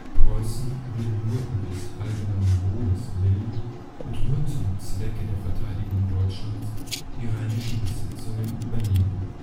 Preußen würde nur „ um des allgemeinen Wohles willen “und nur „ zum Zwecke der Verteidigung Deutschlands “die rheinischen Besitzungen übernehmen